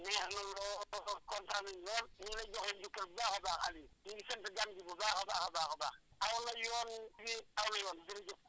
neex na lool kontaan nañ lool ñu ngi lay dello njukkal bu baax a baax Aliou ñu ngi sant gan gi bu baax a baax a baax aw na yoon lii aw na yoon jërëjëf